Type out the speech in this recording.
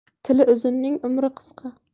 tili uzunning umri qisqa